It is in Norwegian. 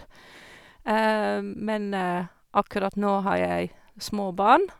Men akkurat nå har jeg små barn.